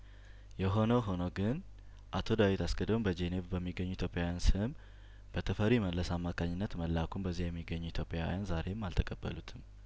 የሆነ ሆኖ ግን አቶ ዳዊት አስገዶም በጄኔቭ በሚገኙ ኢትዮጵያዊያን ስም በተፈሪ መለስ አማካኝነት መላኩን በዚያ የሚገኙ ኢትዮጵያዊያን ዛሬም አልተቀበሉትም